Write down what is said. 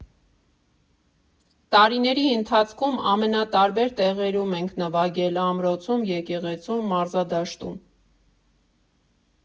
Տարիների ընթացքում ամենատարբեր տեղերում ենք նվագել՝ ամրոցում, եկեղեցում, մարզադաշտում։